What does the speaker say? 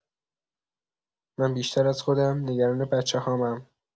من بیشتر از خودم، نگران بچه‌هامم.